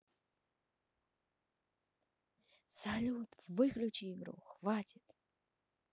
салют выключи игру хватит